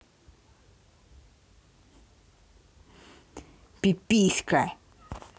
пиписька